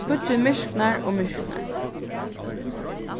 skuggin myrknar og myrknar